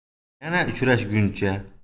yana uchrashguncha